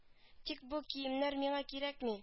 Тик бу киемнәр миңа кирәкми